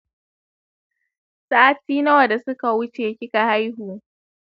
sati nawa da suka wuce kika haihu